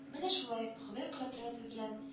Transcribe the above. Менә шулай, Ходай кордрәте белән